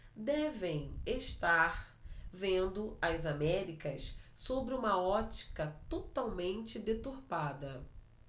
devem estar vendo as américas sob uma ótica totalmente deturpada